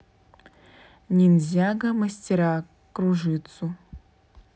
ниндзяго мастера кружитцу